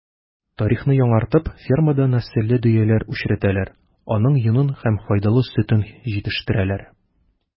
Тарихны яңартып фермада нәселле дөяләр үчретәләр, аның йонын һәм файдалы сөтен җитештерәләр.